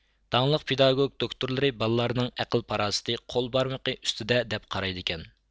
داڭلىق پېداگوك دوكتورلىرى بالىلارنىڭ ئەقىل پاراستى قول بارمىقى ئۈستىدە دەپ قارايدىكەن